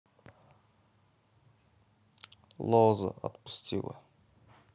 лоза отпустила